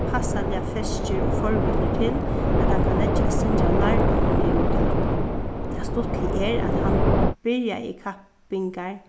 passaliga feskir og forvitnir til at hann kann leggja eitt sindur av lærdómi niður í teir tað stuttliga er at hann byrjaði kappingar